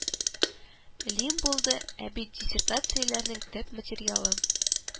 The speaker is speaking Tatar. Лим булды, ә бит диссертацияләрнең төп материалы –